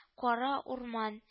Кара урман